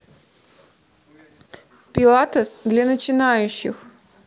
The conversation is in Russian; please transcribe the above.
пилатес для начинающих